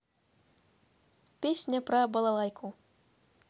песня про балалайку